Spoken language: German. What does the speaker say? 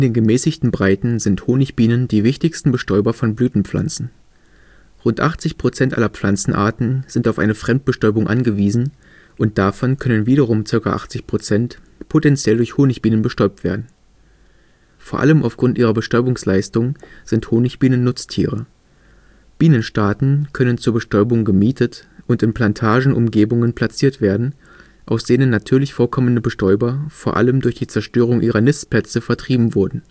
gemäßigten Breiten sind Honigbienen die wichtigsten Bestäuber von Blütenpflanzen. Rund 80 % aller Pflanzenarten sind auf eine Fremdbestäubung angewiesen und davon können wiederum ca. 80 % potentiell durch Honigbienen bestäubt werden. Vor allem aufgrund ihrer Bestäubungsleistung sind Honigbienen Nutztiere: Bienenstaaten können zur Bestäubung gemietet und in Plantagenumgebungen platziert werden, aus denen natürlich vorkommende Bestäuber vor allem durch die Zerstörung ihrer Nistplätze vertrieben wurden